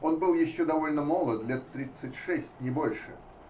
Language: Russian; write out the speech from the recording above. Он был еще довольно молод -- лет тридцать шесть, не больше.